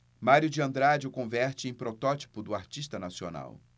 mário de andrade o converte em protótipo do artista nacional